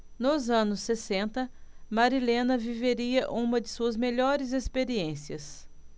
nos anos sessenta marilena viveria uma de suas melhores experiências